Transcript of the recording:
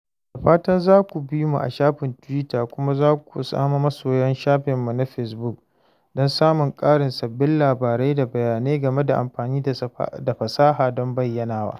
Da fatan za ku bi mu a shafin Twitter kuma za ku zama masoya shafinmu na Facebook don samun ƙarin sabbin labarai da bayanai game da amfani da fasaha don bayyanawa.